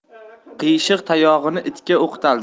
qiyshiq tayog'ini itga o'qtaldi